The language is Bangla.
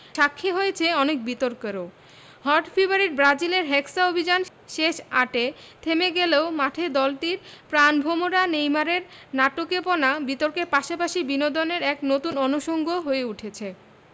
সাক্ষী হয়েছে অনেক বিতর্কেরও হট ফেভারিট ব্রাজিলের হেক্সা অভিযান শেষ আটে থেমে গেলেও মাঠে দলটির প্রাণভোমরা নেইমারের নাটুকেপনা বিতর্কের পাশাপাশি বিনোদনের এক নতুন অনুষঙ্গ হয়ে উঠেছে